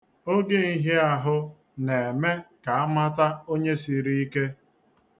Oge nhịaahụ na-eme ka amata onye siri ike.